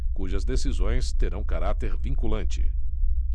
cujas decisões terão caráter vinculante